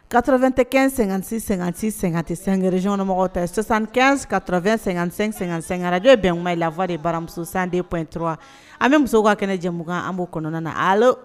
Kar2 tɛ kɛ---sɛ tɛ sangrɛnzyɔnmɔgɔw tɛsan ka2--sɛɛrɛj bɛn in lafa de baramusosandenpto wa an bɛ muso ka kɛnɛ jɛmu an' kɔnɔna na a